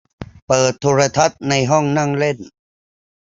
เปิดโทรทัศน์ในห้องนั่งเล่น